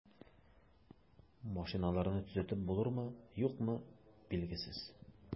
Машиналарны төзәтеп булырмы, юкмы, билгесез.